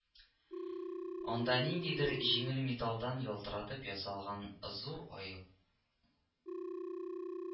Анда ниндидер җиңел металлдан ялтыратып ясалган зур аек